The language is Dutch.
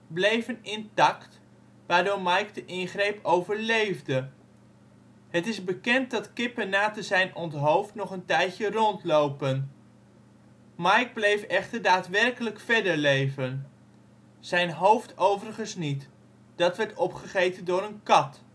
bleven intact, waardoor Mike de ingreep overleefde. Het is bekend dat kippen na te zijn onthoofd nog een tijdje rondlopen. Mike bleef echter daadwerkelijk verder leven. Zijn hoofd overigens niet, dat werd opgegeten door een kat